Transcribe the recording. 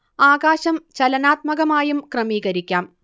ആകാശം ചലനാത്മകമായും ക്രമീകരിക്കാം